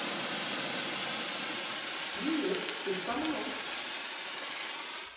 привет ты со мной